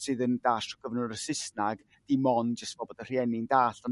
sydd yn dasg ar gyfer y Susnag dim ond jyst fel bod y rhieni'n dalld ond